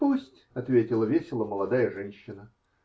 -- Пусть, -- ответила весело молодая женщина.